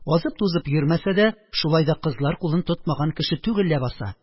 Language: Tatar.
Азып-тузып йөрмәсә дә, шулай да кызлар кулын тотмаган кеше түгел ләбаса!